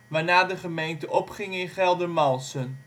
waarna de gemeente opging in Geldermalsen